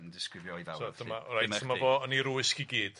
So dyma reit dyma fo yn 'i rwysg i gyd.